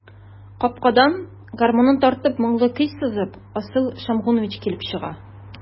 Капкадан, гармунын тартып, моңлы көй сызып, Асыл Шәмгунович килеп чыга.